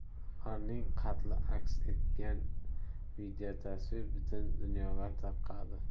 ularning qatli aks etgan videotasvir butun dunyoga tarqadi